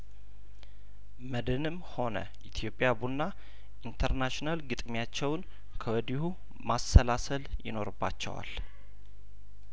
መድንም ሆነ ኢትዮጵያ ቡና ኢንተርናሽናል ግጥሚያቸውን ከወዲሁ ማሰላሰል ይኖርባቸዋል